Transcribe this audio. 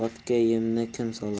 otga yemni kim solar